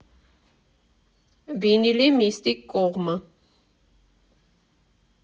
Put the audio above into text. Վինիլի միստիկ կողմը։